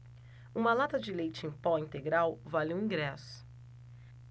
uma lata de leite em pó integral vale um ingresso